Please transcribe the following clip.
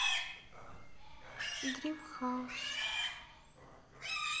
дрим хаус